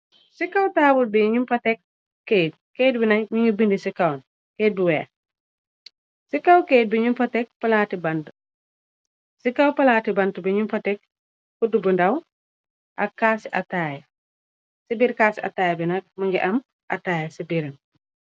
Cii kaw taabul bii njung fa tek keit, keit bii nak njungy bindu cii kawam, keit bu wekh, cii kaw keit bii njung fa tek plaati bantu, cii kaw plaati bantu bii njung fa tek kudu bu ndaw ak kassi ataya, cii birr kassi ataya bii nak mungy am ataya cii birram.